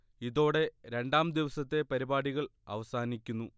ഇതോടെ രണ്ടാം ദിവസത്തെ പരിപാടികൾ അവസാനിക്കുന്നു